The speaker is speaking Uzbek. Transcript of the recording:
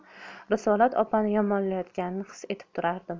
risolat opani yomonlayotganini his etib turardim